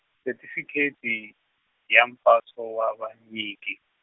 setifikheti, ya mpaso wa vanyiki.